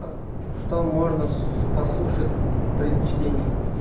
что можно послушать при чтении